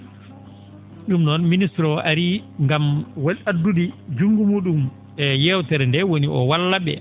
?um noon ministre oo arii ngam addude junngo muu?um e yeewtere ndee woni o walla ?e